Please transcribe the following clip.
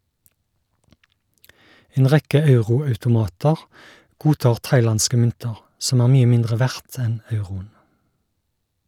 En rekke euro-automater godtar thailandske mynter, som er mye mindre verdt enn euroen.